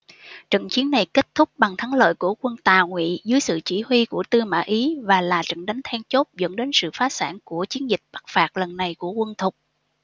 trận chiến này kết thúc bằng thắng lợi của quân tào ngụy dưới sự chỉ huy của tư mã ý và là trận đánh then chốt dẫn đến sự phá sản của chiến dịch bắc phạt lần này của quân thục